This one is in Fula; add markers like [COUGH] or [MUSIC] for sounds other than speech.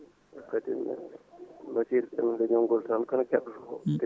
e kadine mbasiytoɗen leeñol ngol tan kala keɗotoɗo [SMACKS LIPS]